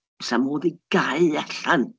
'Sa modd i gau allan.